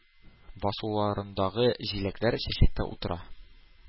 Басуларындагы җиләкләр чәчәктә утыра.